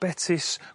betys